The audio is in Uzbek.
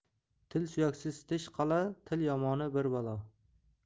til suyaksiz tish qal'a til yomoni bir balo